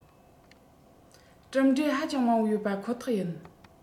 གྲུབ འབྲས ཧ ཅང མང པོ ཡོད པ ཁོ ཐག ཡིན